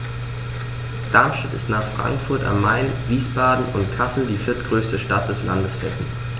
Darmstadt ist nach Frankfurt am Main, Wiesbaden und Kassel die viertgrößte Stadt des Landes Hessen